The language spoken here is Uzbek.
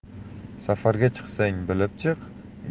safarga chiqsang bilib chiq